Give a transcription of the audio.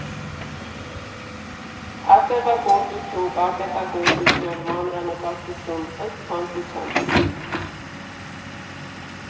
Ասեղնագործություն, կարպետագործություն, մանրանկարչություն՝ ըստ ցանկության։